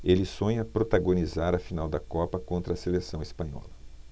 ele sonha protagonizar a final da copa contra a seleção espanhola